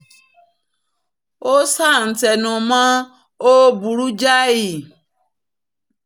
Ó sáà ńtẹnumọ́ 'ó burú jáì'.